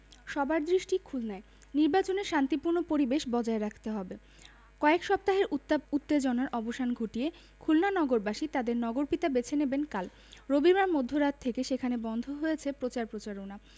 সবার দৃষ্টি খুলনায় নির্বাচনে শান্তিপূর্ণ পরিবেশ বজায় রাখতে হবে কয়েক সপ্তাহের উত্তাপ উত্তেজনার অবসান ঘটিয়ে খুলনা নগরবাসী তাঁদের নগরপিতা বেছে নেবেন কাল রবিবার মধ্যরাত থেকে সেখানে বন্ধ হয়েছে প্রচার প্রচারণা